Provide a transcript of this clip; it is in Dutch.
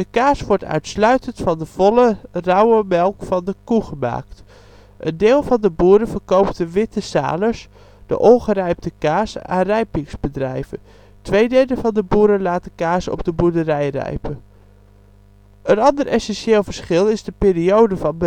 kaas wordt uitsluitend van de volle, rauwe melk van de koe gemaakt. Een deel van de boeren verkoopt de “witte Salers”, de ongerijpte kaas, aan rijpingsbedrijven, twee derde van de boeren laat de kaas opd e boerderij rijpen. Een ander essentieel verschil is de periode van bereiden